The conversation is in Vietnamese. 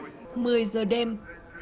mười giờ đêm